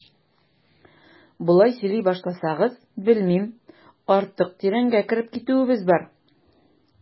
Болай сөйли башласагыз, белмим, артык тирәнгә кереп китүебез бар.